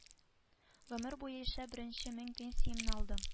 Гомер буе эшләп беренче мең пенсиямне алдым